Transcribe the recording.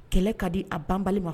Kɛlɛ ka di a banba ma